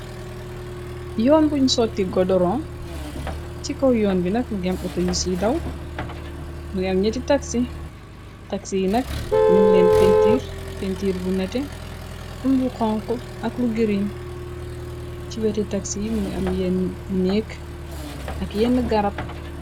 Yoon buñ sotti godoron ci kaw yoon bu nak gem auto yusi yi daw mungi am neti taxi taxi yi nak num leen ntir pintiir bu nete am lu xonx ak lu giriin ci weti taxi yi mungi am yenn néek ak yenn garab.